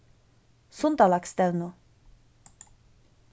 sundalagsstevnu